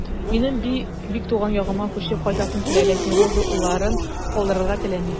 Минем бик туган ягыма күчеп кайтасым килә, ләкин Роза улларын калдырырга теләми.